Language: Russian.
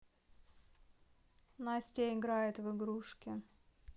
настя играет в игрушки